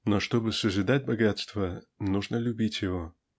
Но чтобы созидать богатство, нужно любить его.